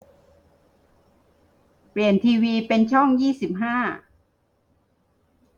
เปลี่ยนทีวีเป็นช่องยี่สิบห้า